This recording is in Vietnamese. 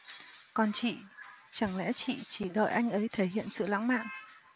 còn chị chẳng lẽ chị chỉ đợi anh ấy thể hiện sự lãng mạn